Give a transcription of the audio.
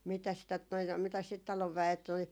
mitäs sitä tuota noin mitäs sitä talon väet oli